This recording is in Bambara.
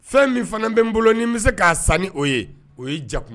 Fɛn min fana bɛ n bolo ni n bɛ se k'a san ni o ye, o ye ja